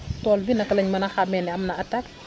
tool bi naka lañ mën a xàmmee ne am na attaque